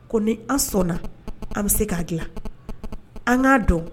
Ko ni an' sɔnna an be se k'a dilan an ŋ'a dɔn